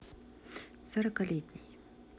сорокалетний